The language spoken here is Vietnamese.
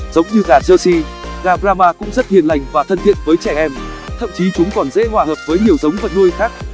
giống như gà jersey gà brahma cũng rất hiền lành và thân thiện với trẻ em thậm chí chúng còn dễ hoà hợp với nhiều giống vật nuôi khác